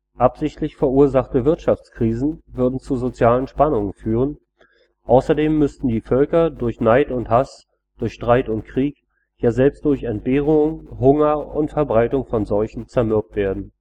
Absichtlich verursachte Wirtschaftskrisen würden zu sozialen Spannungen führen, außerdem müssten die Völker durch „ Neid und Haß, durch Streit und Krieg, ja selbst durch Entbehrungen, Hunger und Verbreitung von Seuchen “zermürbt werden